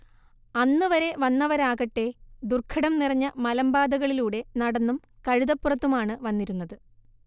അന്നുവരെ വന്നവരാകട്ടേ ദുർഘടം നിറഞ്ഞ മലമ്പാതകളിലൂടെ നടന്നും കഴുതപ്പുറത്തുമാണ്‌ വന്നിരുന്നത്